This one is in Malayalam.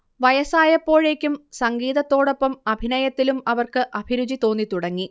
വയസ്സായപ്പോഴേയ്ക്കും സംഗീതത്തോടോപ്പം അഭിനയത്തിലും അവർക്ക് അഭിരുചി തോന്നിത്തുടങ്ങി